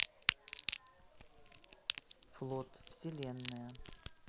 флот вселенная